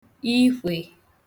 ikwhè